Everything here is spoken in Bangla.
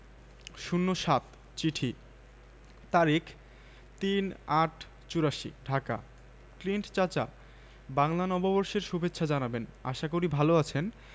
আলোচনা ফলপ্রসূ হবে এবং আমরা গ্রামীন পরিকল্পনা এবং উন্নয়নের সমস্যাসমূহ পরিচিহ্নিত করতে এবং তার সমাধান ও উন্নয়ন ব্যাপারে পরামর্শ দান করতে সক্ষম হবো